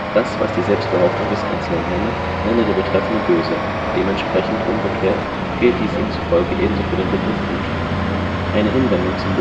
das was die Selbstbehauptung des Einzelnen hemme, nenne der Betreffende „ böse “(entsprechend umgekehrt gilt dies ihm zufolge ebenso für den Begriff „ gut “). Eine Hinwendung zum